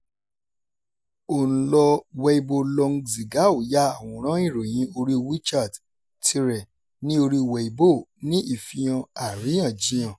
Ònlo Weibo Long Zhigao ya àwòrán ìròyìn orí WeChat ti rẹ̀ ní orí Weibo ní ìfihàn àríyànjiyàn.